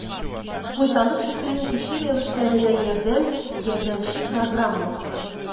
«хуҗалык итүнең кече рәвешләренә ярдәм» ярдәмче программасы